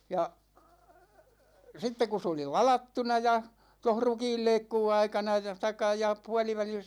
ja sitten kun se oli ladattuna ja tuossa rukiinleikkuuaikana ja tai ja puolivälissä